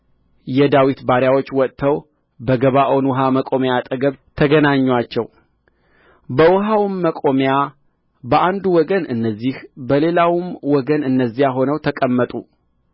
የዳዊት ባሪያዎች ወጥተው በገባዖን ውኃ መቆሚያ አጠገብ ተገናኙአቸው በውኃውም መቆሚያ በአንዱ ወገን እነዚህ በሌላውም ወገን እነዚያ ሆነው ተቀመጡ